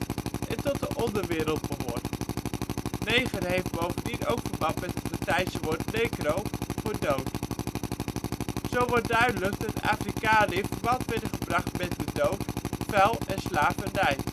onderwereld behoort. " Neger " heeft bovendien ook verband met het Latijnse woord " necro " (voor dood). Zo wordt duidelijk dat Afrikanen in verband werden gebracht met de dood, vuil en slavernij